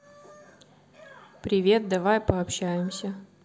привет давай пообщаемся